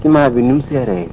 ciment bi ni mu seeree